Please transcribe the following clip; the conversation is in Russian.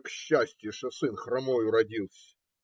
Эко счастье, что сын хромой уродился.